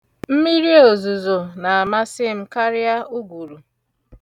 M̀miriòzùzò na-amasị m karịa ụgụrụ.